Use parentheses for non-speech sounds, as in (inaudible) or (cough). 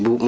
(hesitation) (hesitation)